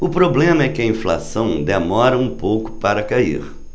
o problema é que a inflação demora um pouco para cair